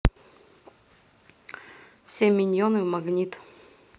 все миньоны в магнит